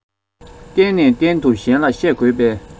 གཏན ནས གཏན དུ གཞན ལ བཤད དགོས པའི